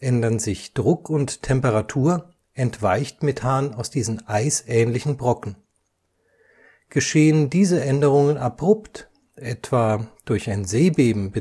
Ändern sich Druck und Temperatur, entweicht Methan aus diesen eis­ähnlichen Brocken. Geschehen diese Änderungen abrupt, etwa durch ein Seebeben